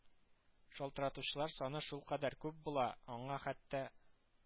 Шалтыратучылар саны шулкадәр күп була, аңа хәтта